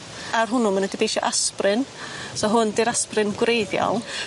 Ar hwnnw ma' nw dyfeisio aspirin so hwn di'r aspirin gwreiddiol.